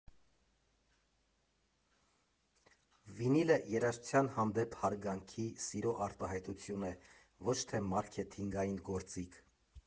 Վինիլը երաժշտության հանդեպ հարգանքի, սիրո արտահայտություն է, ոչ թե մարքեթինգային գործիք։